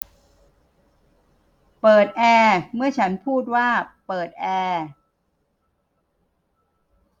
เปิดแอร์เมื่อฉันพูดว่าเปิดแอร์